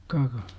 kaka